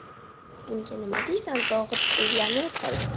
bunga nima deysan zohid o'ylanib qoldi